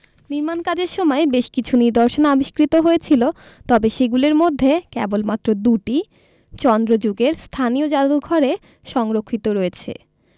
নির্মাণ কাজের সময় বেশ কিছু নিদর্শন আবিষ্কৃত হয়েছিল তবে সেগুলির মধ্যে কেবলমাত্র দুটি চন্দ্র যুগের স্থানীয় জাদুঘরে সংরক্ষিত হয়েছে